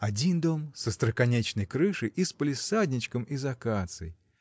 Один дом с остроконечной крышей и с палисадничком из акаций.